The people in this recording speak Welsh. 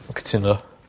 Fi cytunuo.